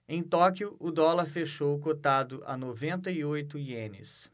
em tóquio o dólar fechou cotado a noventa e oito ienes